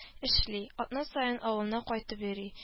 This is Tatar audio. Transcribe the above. Эшли. Атна саен авылына кайтып йөри